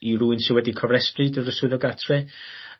i rywun sy wedi cofrestru swyddfa gatre